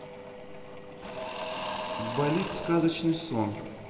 болит сказочный сон